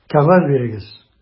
Кәгазь бирегез!